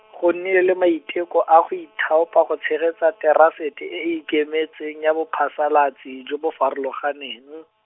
go nnile le maiteko a go ithaopa go tshegetsa terasete e e ikemetseng ya bophasalatsi jo bo farologaneng .